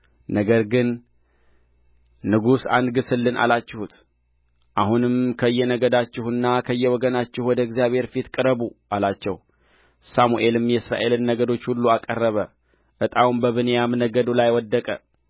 ነገር ግን ንጉሥ አታንግሥልን አላችሁት አሁንም በየነገዳችሁና በየወገናችሁ ወደ እግዚአብሔር ፊት ቅረቡ አላቸው ሳሙኤልም የእስራኤልን ነገዶች ሁሉ አቀረበ ዕጣውም በብንያም ነገድ ላይ ወደቀ